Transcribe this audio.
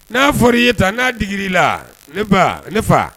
N'a fɔra i ye tan n'a digi i la ne fa ne fa